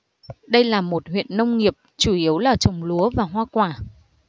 đây là một huyện nông nghiệp chủ yếu là trồng lúa và hoa quả